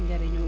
njëriñu